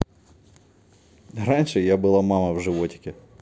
раньше я была мама в животике